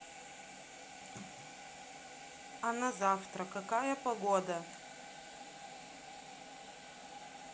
а на завтра какая погода